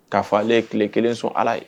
K ka fa ale ye tile kelen sɔn ala ye